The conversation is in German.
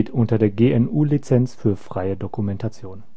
unter der GNU Lizenz für freie Dokumentation